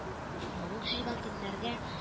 Мамык җыйган көннәрдә